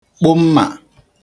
kpụ mmà